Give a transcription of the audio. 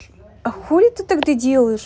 а хули ты тогда делаешь